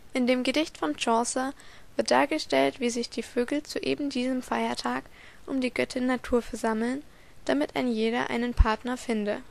In dem Gedicht von Chaucer wird dargestellt, wie sich die Vögel zu eben diesem Feiertag um die Göttin Natur versammeln, damit ein jeder einen Partner finde